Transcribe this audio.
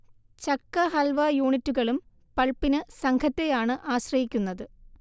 ചക്ക ഹൽവ യൂണിറ്റുകളും പൾപ്പിന് സംഘത്തെയാണ് ആശ്രയിക്കുന്നത്